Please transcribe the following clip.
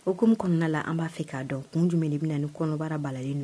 O kɔmiumu kɔnɔna la an b'a fɛ k'a dɔn kun jumɛn bɛna na ni kɔnɔbara bala layi